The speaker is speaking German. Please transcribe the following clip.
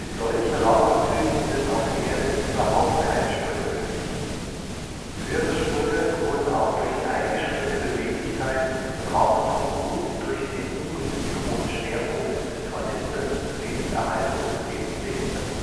solchen Raumanzügen sind auf der Erde überhaupt keine Sprünge möglich. Höhere Sprünge wurden auch durch die eingeschränkte Beweglichkeit im Raumanzug und durch den ungünstig hohen Schwerpunkt des Tornisters des Lebenserhaltungssystems behindert